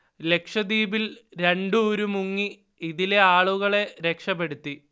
ലക്ഷദ്വീപിൽ രണ്ട് ഉരു മുങ്ങി ഇതിലെ ആളുകളെ രക്ഷപെടുത്തി